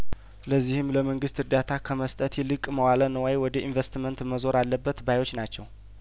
ለዚህም ለመንግስት እርዳታ ከመስጠት ይልቅ መዋለ ንዋይ ወደ ኢንቨስትመንት መዞር አለበት ባዮች ናቸው